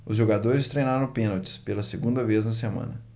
os jogadores treinaram pênaltis pela segunda vez na semana